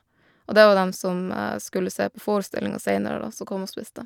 Og det var dem som skulle se på forestillinga seinere, da, som kom og spiste.